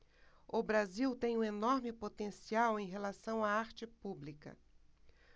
o brasil tem um enorme potencial em relação à arte pública